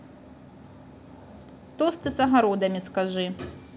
тосты с огородами скажи